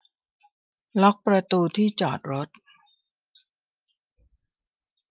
ล็อกประตูที่จอดรถ